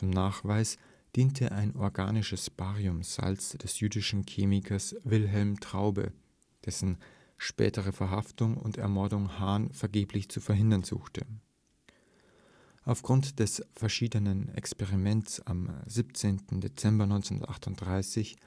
Nachweis diente ein organisches Bariumsalz des jüdischen Chemikers Wilhelm Traube, dessen spätere Verhaftung und Ermordung Hahn vergeblich zu verhindern suchte. Aufgrund des entscheidenden Experiments am 17. Dezember 1938